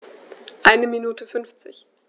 Eine Minute 50